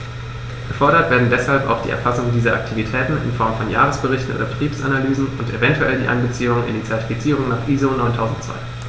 Gefordert werden deshalb auch die Erfassung dieser Aktivitäten in Form von Jahresberichten oder Betriebsanalysen und eventuell die Einbeziehung in die Zertifizierung nach ISO 9002.